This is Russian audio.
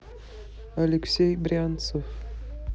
алексей брянцев